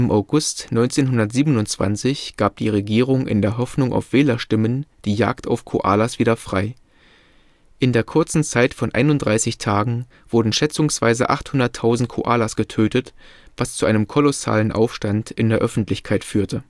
August 1927 gab die Regierung in der Hoffnung auf Wählerstimmen die Jagd auf Koalas wieder frei. In der kurzen Zeit von 31 Tagen wurden schätzungsweise 800.000 Koalas getötet, was zu einem kolossalen Aufstand in der Öffentlichkeit führte